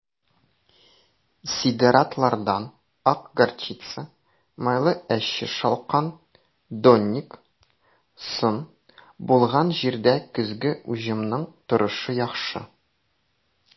Сидератлардан (ак горчица, майлы әче шалкан, донник) соң булган җирдә көзге уҗымның торышы яхшы.